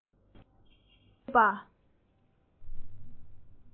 ཕར སློག ཚུར སློག བྱེད པ